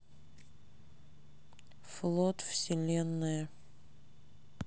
флот вселенная